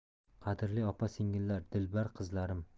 qadrli opa singillar dilbar qizlarim